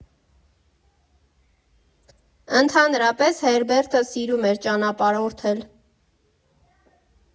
Ընդհանրապես Հերբերտը սիրում էր ճանապարհորդել։